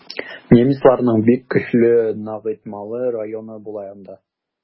Немецларның бик көчле ныгытмалы районы була анда.